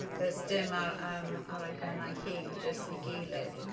Cause dim ar... yym ar ei ben ei hun, jyst ei gilydd.